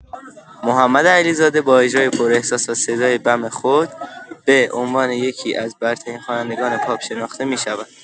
محمد علیزاده با اجرای پراحساس و صدای بم خود، به عنوان یکی‌از برترین خوانندگان پاپ شناخته می‌شود.